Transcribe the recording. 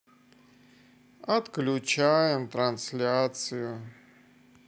отключаем трансляцию